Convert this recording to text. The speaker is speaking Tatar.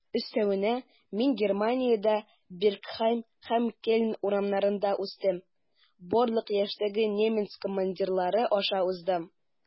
Өстәвенә, мин Германиядә, Бергхайм һәм Кельн урамнарында үстем, барлык яшьтәге немец командалары аша уздым.